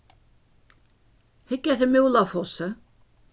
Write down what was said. hygg eftir múlafossi